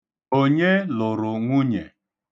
Onye lụrụ nwunye?